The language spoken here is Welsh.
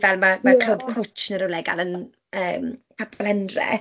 Fel ma' ma' Clwb Cwtch neu rywle i gael yn yym Capel Hendre.